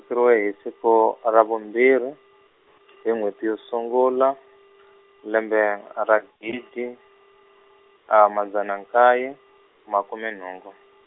hi siku, a ra vumbirhi , hi n'wheti yo sungula, lembe ra gidi, a madzana nkaye, makume nhungu.